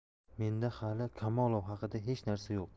menda hali kamolov haqida hech narsa yo'q